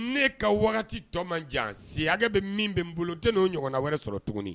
Ne ka wagati tɔ man jan see hakɛ bɛ min bɛ n bolo n tɛ n'o ɲɔgɔnna wɛrɛ sɔrɔ tuguni